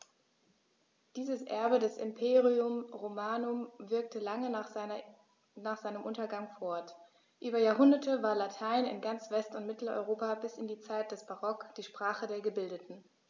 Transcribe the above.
Dieses Erbe des Imperium Romanum wirkte lange nach seinem Untergang fort: Über Jahrhunderte war Latein in ganz West- und Mitteleuropa bis in die Zeit des Barock die Sprache der Gebildeten.